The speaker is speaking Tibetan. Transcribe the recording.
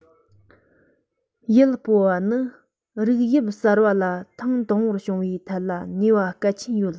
ཡུལ སྤོ བ ནི རིགས དབྱིབས གསར པ ལ ཐེངས དང པོར བྱུང བའི ཐད ལ ནུས པ གལ ཆེན ཡོད